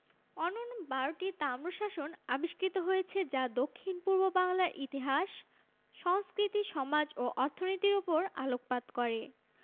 অন্যূন বারোটি তাম্রশাসন আবিষ্কৃত হয়েছে যা দক্ষিণ পূর্ব বাংলার ইতিহাস সংস্কৃতি সমাজ ও অর্থনীতির ওপর আলোকপাত করে